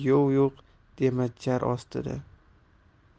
yov yo'q dema jar ostida